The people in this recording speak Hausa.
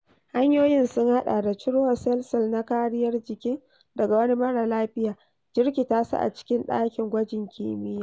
Hanyoyin sun haɗa da cirowa sel-sel na kariyar jikin daga wani marar lafiya, jirkita su a cikin ɗakin gwajin kimiyya